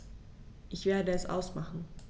Ich werde es ausmachen